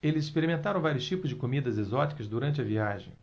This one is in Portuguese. eles experimentaram vários tipos de comidas exóticas durante a viagem